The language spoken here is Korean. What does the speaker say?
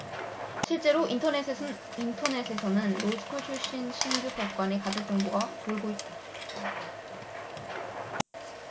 실제로 인터넷에는 로스쿨 출신 신규 법관의 가족 정보가 돌고 있다